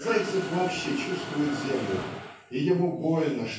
Зайцев вообще чувствует землю и ему больно